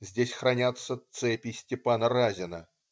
Здесь хранятся цепи Степана Разина.